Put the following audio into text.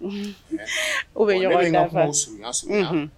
U bɛ ɲɔgɔn lafi su